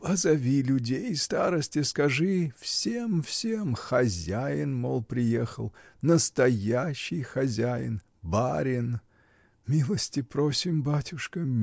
— Позови людей, старосте скажи, всем, всем: хозяин, мол, приехал, настоящий хозяин, барин! Милости просим, батюшка!